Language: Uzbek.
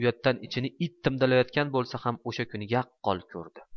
uyatdan ichini it timdalayotgan bo'lsa ham o'sha kuni yaqqol ko'rdi